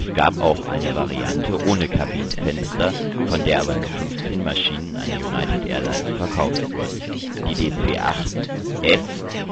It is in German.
gab auch eine Variante ohne Kabinenfenster, von der aber nur 15 Maschinen an United Airlines verkauft wurden. Die DC-8F-54